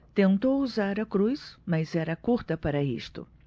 tentou usar a cruz mas era curta para isto